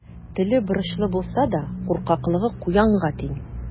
Теле борычлы булса да, куркаклыгы куянга тиң.